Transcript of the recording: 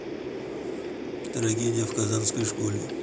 трагедия в казанской школе